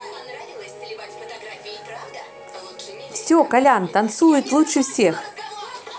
все колян танцует лучше всех